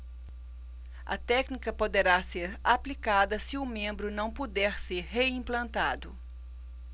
a técnica poderá ser aplicada se o membro não puder ser reimplantado